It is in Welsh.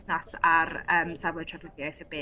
ar y safle trefdediaeth y byd?